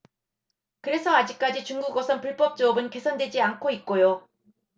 그래서 아직까지 중국어선 불법조업은 개선되지 않고 있고요